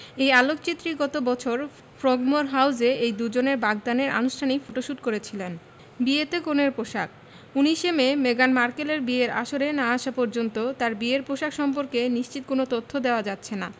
এই আলোকচিত্রী গত বছর ফ্রোগমোর হাউসে এই দুজনের বাগদানের আনুষ্ঠানিক ফটোশুট করেছিলেন বিয়েতে কনের পোশাক ১৯ মে মেগান মার্কেলের বিয়ের আসরে না আসা পর্যন্ত তাঁর বিয়ের পোশাক সম্পর্কে নিশ্চিত কোনো তথ্য দেওয়া যাচ্ছে না